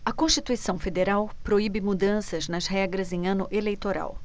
a constituição federal proíbe mudanças nas regras em ano eleitoral